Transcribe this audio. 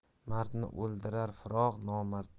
mardni o'ldirar firoq